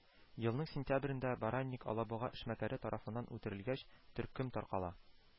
Елның сентябрендә баранник алабуга эшмәкәре тарафыннан үтерелгәч, төркем таркала